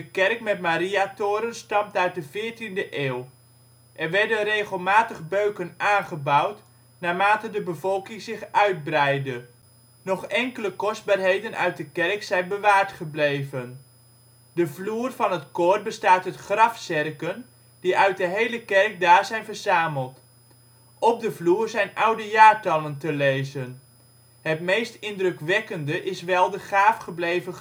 kerk met Mariatoren stamt uit de 14e eeuw. Er werden regelmatig beuken aangebouwd naarmate de bevolking zich uitbreidde. Nog enkele kostbaarheden uit de kerk zijn bewaard gebleven. De vloer van het koor bestaat uit grafzerken die uit de hele kerk daar zijn verzameld. Op de vloer zijn oude jaartallen te lezen. Het meest indrukwekkende is wel de gaaf gebleven grafsteen